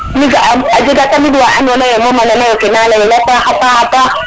mi ga am a jega tamit wa ando naye moom a nana yo kena leyel a paxa paxa paax